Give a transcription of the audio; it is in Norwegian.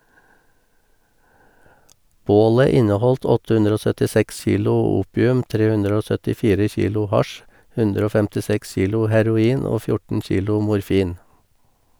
Bålet inneholdt 876 kilo opium, 374 kilo hasj, 156 kilo heroin og 14 kilo morfin.